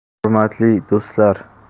hurmatli do'stlar